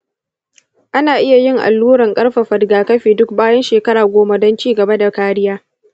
ana iya yin alluran ƙarfafa rigakafi duk bayan shekara goma don ci gaba da kariya.